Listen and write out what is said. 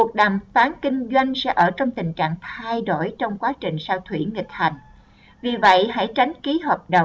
các cuộc đàm phán kinh doanh sẽ ở trong tình trạng thay đổi trong quá trình sao thủy nghịch hành vì vậy hãy tránh ký hợp đồng